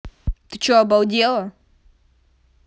ты че обалдела